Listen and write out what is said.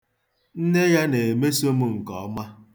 Nne ya na-emeso m nke ọma.